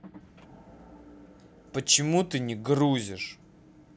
почему ты не грузишь